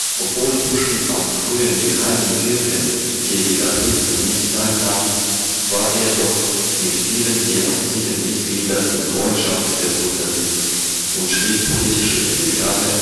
Obwohl Puschkin am frühen, geheimen Wirken der Dekabristen nicht teilnahm, war er doch mit vielen der aktiven Mitglieder in Freundschaft verbunden und schrieb politische Epigramme